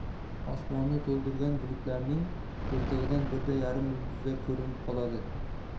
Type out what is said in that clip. osmonni to'ldirgan bulutlarning yirtig'idan birda yarim yulduzlar ko'rinib qoladi